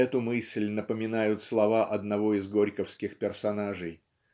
эту мысль напоминают слова одного из горьковских персонажей